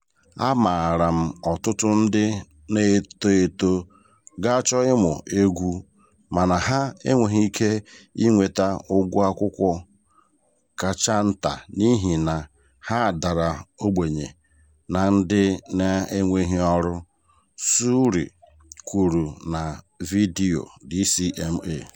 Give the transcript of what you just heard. Amaara m ọtụtụ ndị na-eto eto ga-achọ ịmụ egwu mana ha enweghị ike ị nweta ụgwọ akwụkwọ kacha nta n'ihi na ha dara ogbenye na ndị na-enweghị ọrụ, Surri kwuru na vidiyo DCMA.